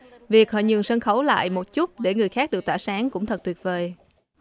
việc họ nhường sân khấu lại một chút để người khác được tỏa sáng cũng thật tuyệt vời